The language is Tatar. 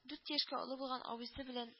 Дүрт яшкә оло булган абысы белән